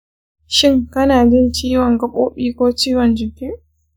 shin kana jin ciwon gabobi ko ciwon jiki